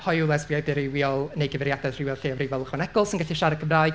Hoyw, lesbiaid, deu-rywiol neu gyfeiriadaeth rywiol lleiafrifol ychwanegol sy'n gallu siarad Cymraeg.